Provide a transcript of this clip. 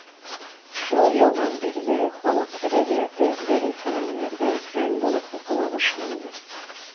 Шул елдан бирле халык әдәбияты дарелфөнүннәрдә фән булып укыла башланды.